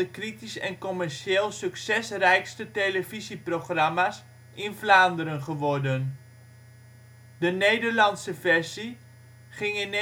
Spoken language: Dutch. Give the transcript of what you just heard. kritisch en commercieel succesrijkste televisieprogramma 's in Vlaanderen geworden. De Nederlandse versie ging in